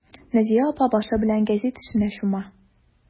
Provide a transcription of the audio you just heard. Наҗия апа башы белән гәзит эшенә чума.